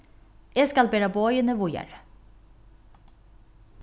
eg skal bera boðini víðari